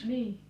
niin